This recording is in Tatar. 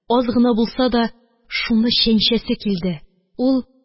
Аз гына булса да шуны чәнчәсе килде, ул: